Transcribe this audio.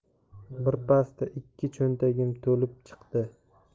birpasda ikki cho'ntagim to'lib chiqdi